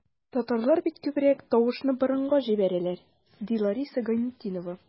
Татарлар бит күбрәк тавышны борынга җибәрә, ди Лариса Гайнетдинова.